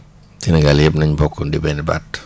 Sénégal yëpp nañ bokk di benn baat